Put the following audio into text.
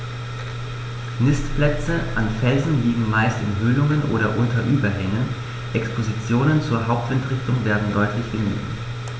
Nistplätze an Felsen liegen meist in Höhlungen oder unter Überhängen, Expositionen zur Hauptwindrichtung werden deutlich gemieden.